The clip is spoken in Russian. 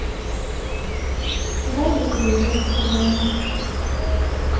гарик бульдог харламов